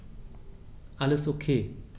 Alles OK.